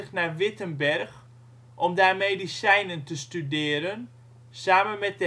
naar Wittenberg om daar medicijnen te studeren, samen met